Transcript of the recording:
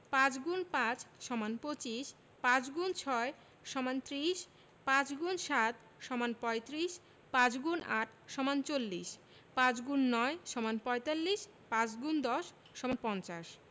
৫× ৫ = ২৫ ৫x ৬ = ৩০ ৫× ৭ = ৩৫ ৫× ৮ = ৪০ ৫x ৯ = ৪৫ ৫×১০ = ৫০